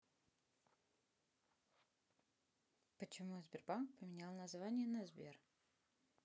почему сбербанк поменял название на сбер